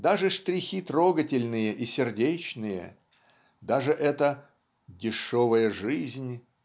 Даже штрихи трогательные и сердечные даже эта "дешевая жизнь